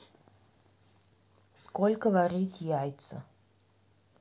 сколько варить яйца